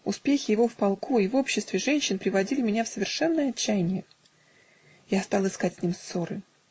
Успехи его в полку и в обществе женщин приводили меня в совершенное отчаяние. Я стал искать с ним ссоры